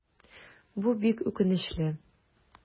Бу бик үкенечле.